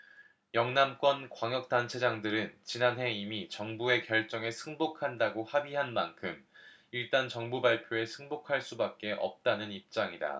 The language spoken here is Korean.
영남권 광역단체장들은 지난해 이미 정부의 결정에 승복한다고 합의한 만큼 일단 정부 발표에 승복할 수밖에 없다는 입장이다